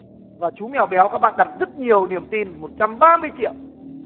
và chú mèo béo các bạn đặt rất nhiều niềm tin một trăm ba mươi triệu